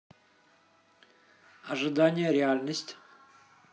ожидание реальность